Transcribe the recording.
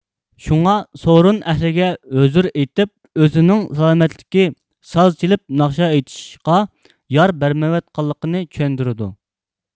شۇڭا سورۇن ئەھلىگە ھۆزۈر ئېيتىپ ئۆزىنىڭ سالامەتلىكى ساز چېلىپ ناخشا ئېيتىشقا يار بەرمەيۋاتقانلىقىنى چۈشەندۈرىدۇ